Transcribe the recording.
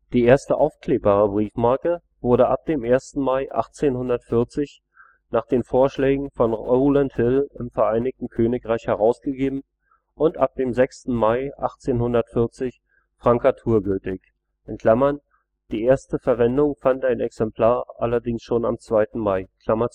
Die erste aufklebbare Briefmarke wurde ab dem 1. Mai 1840 nach den Vorschlägen von Rowland Hill im Vereinigten Königreich herausgegeben und ab dem 6. Mai 1840 frankaturgültig (die erste Verwendung fand ein Exemplar allerdings schon am 2. Mai). Der